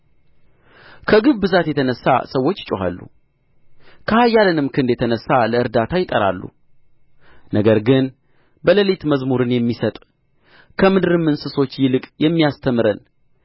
ከግፍ ብዛት የተነሣ ሰዎች ይጮኻሉ ከኃያላንም ክንድ የተነሣ ለእርዳታ ይጠራሉ ነገር ግን በሌሊት መዝሙርን የሚሰጥ ከምድርም እንስሶች ይልቅ የሚያስተምረን